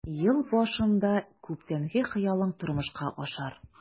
Ел башында күптәнге хыялың тормышка ашар.